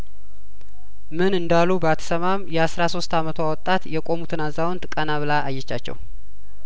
ምን እንዳሉ ባትሰማም የአስራ ሶስት አመቷ ወጣት የቆሙትን አዛውንት ቀና ብላ አየቻቸው